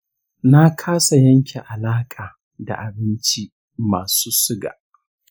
na kasa yanke alaƙa da abinci masu suga.